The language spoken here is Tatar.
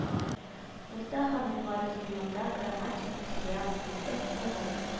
Урта һəм югары звенода грамматик материал, нигездə, филологик